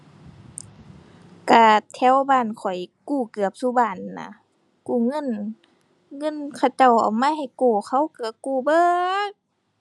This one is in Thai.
ก็แถวบ้านข้อยกู้เกือบซุบ้านนะ กู้เงิน เงินเขาเจ้าเอามาให้กู้ เขาก็กู้เบิด